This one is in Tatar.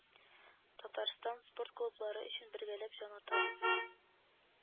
Татарстан спорт клублары өчен бергәләп җан атабыз